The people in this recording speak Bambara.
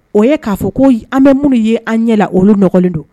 O ye k'a fɔ ko an bɛ minnu ye an ɲɛ olu nɔgɔlen don